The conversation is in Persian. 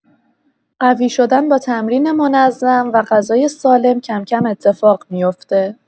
قوی‌شدن با تمرین منظم و غذای سالم کم‌کم اتفاق می‌افته.